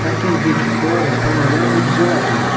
pra quem vê de fora o panorama é desolador